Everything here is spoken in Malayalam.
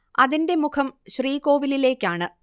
അതിന്റെ മുഖം ശ്രീകോവിലിലേക്കാണ്